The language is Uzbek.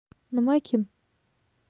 nima kim